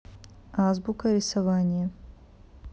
азбука рисование